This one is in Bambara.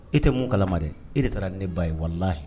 E tɛ mun kalalama de e de taara ne ba ye wala